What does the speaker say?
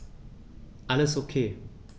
Alles OK.